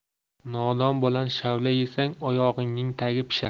nodon bilan shavla yesang oyog'ingning tagi pishar